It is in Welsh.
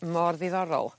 mor ddiddorol